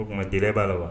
O tuma di b'a la wa